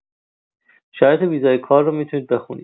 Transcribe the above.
شرایط ویزای کار رو می‌تونید بخونید.